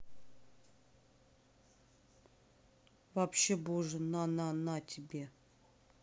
вообще боже на на на тебе